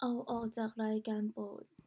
เอาออกจากรายการโปรด